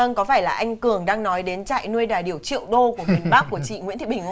vâng có phải là anh cường đang nói đến trại nuôi đà điểu triệu đô của miền bắc của chị nguyễn thị bình